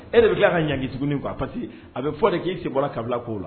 E de bɛ tila a ka ɲki tuguni faa parce que a bɛ fɔ de k'i se bɔrara kabila koo la